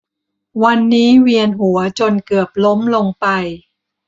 วันนี้เวียนหัวจนเกือบล้มลงไป